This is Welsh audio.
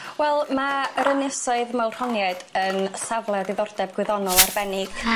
Wel ma' yr ynysoedd Moel-Rhoniaid yn safle o ddiddordeb gwyddonol arbennig